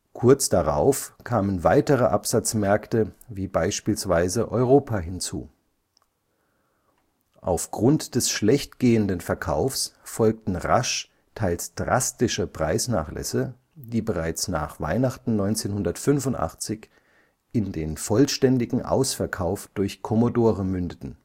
Kurz darauf kamen weitere Absatzmärkte wie beispielsweise Europa hinzu. Aufgrund des schlechtgehenden Verkaufs folgten rasch teils drastische Preisnachlässe, die bereits nach Weihnachten 1985 in den vollständigen Ausverkauf durch Commodore mündeten